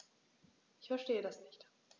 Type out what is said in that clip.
Ich verstehe das nicht.